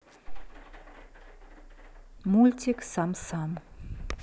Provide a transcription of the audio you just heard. мультик сам сам